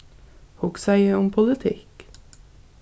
hugsaði um politikk